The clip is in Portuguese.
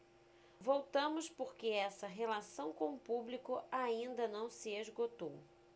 voltamos porque essa relação com o público ainda não se esgotou